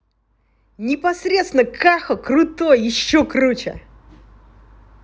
непосредственно каха крутой еще круче